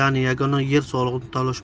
ya'ni yagona yer solig'ini to'lashmoqda